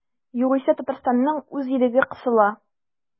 Югыйсә Татарстанның үз иреге кысыла.